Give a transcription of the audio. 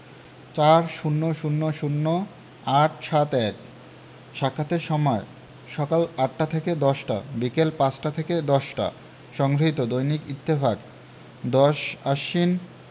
৪০০০৮৭১ সাক্ষাতের সময়ঃসকাল ৮টা থেকে ১০টা - বিকাল ৫টা থেকে ১০টা সংগৃহীত দৈনিক ইত্তেফাক ১০ই আশ্বিন